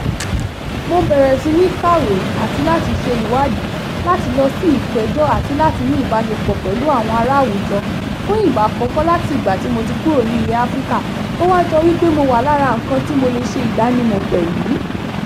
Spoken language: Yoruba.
Mo bẹ̀rẹ̀ sì ní kàwé àti láti ṣe ìwádìí, láti lọ sí ìpéjọ àti láti ní ìbáṣepọ̀ pẹ̀lú àwọn ará àwùjọ fún ìgbà àkọ́kọ́ láti ìgbà tí mo ti kúrò ní ilẹ̀ Áfríkà, ó wá jọ wí pé mo wà lára nǹkan tí mo lè ṣe ìdánimọ̀ pẹ̀lú.